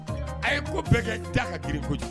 A ye ko bɛɛ kɛ ja ka giririn ko kojugu